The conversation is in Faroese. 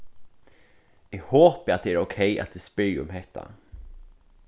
eg hopi at tað er ókey at eg spyrji um hetta